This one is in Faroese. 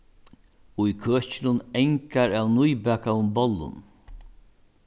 í køkinum angar av nýbakaðum bollum